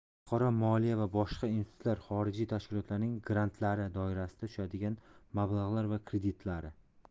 xalqaro moliya va boshqa institutlar xorijiy tashkilotlarning grantlari doirasida tushadigan mablag'lar va kreditlari